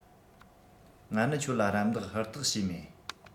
ང ནི ཁྱོད ལ རམ འདེགས ཧུར ཐག བྱས མེད